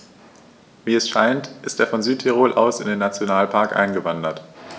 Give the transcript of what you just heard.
Wie es scheint, ist er von Südtirol aus in den Nationalpark eingewandert.